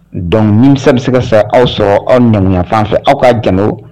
Donc minsa bɛ se ka sa aw sɔrɔ aw nayafan fɛ aw k ka jan